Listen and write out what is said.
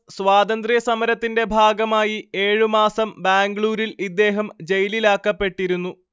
സ്വാതന്ത്ര സമരത്തിന്റെ ഭാഗമായി ഏഴുമാസം ബാംഗ്ലൂരിൽ ഇദ്ദേഹം ജയിലിലാക്കപ്പെട്ടിരുന്നു